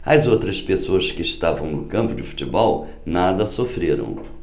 as outras pessoas que estavam no campo de futebol nada sofreram